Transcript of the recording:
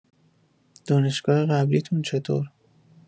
دانشگاه قبلی‌تون چطور؟